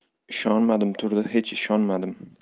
ishonmadim turdi hech ishonmadim